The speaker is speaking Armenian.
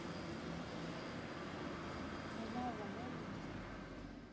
Դե լավ ա էլի։